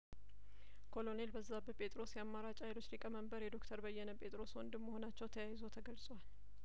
ኮሎኔል በዛብህ ጴጥሮስ የአማራጭ ሀይሎች ሊቀመንበር የዶክተር በየነ ጴጥሮስ ወንድም መሆናቸው ተያይዞ ተገልጿል